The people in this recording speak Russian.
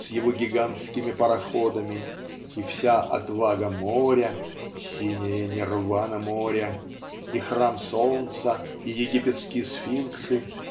с его гигантскими пароходами и вся отвага моря "синяя нирвана моря" и храм Солнца и египетские сфинксы